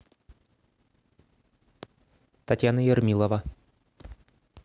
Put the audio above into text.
татьяна ермилова